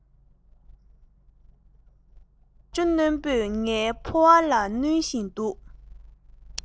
ཞིབ ལྟ ཞིག མི བྱེད ཀ མེད བྱུང